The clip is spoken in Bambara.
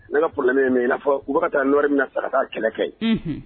Ne ka plen min n'a fɔ u ka taa n nɔɔrɔ bɛna na saraka kɛlɛ kɛ